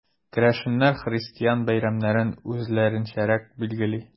Керәшеннәр христиан бәйрәмнәрен үзләренчәрәк билгели.